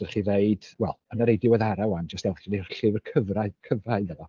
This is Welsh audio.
Fedra chi ddeud, wel yn y rhai diweddara ŵan jyst roi llyfr cyfra... cyfa iddo fo.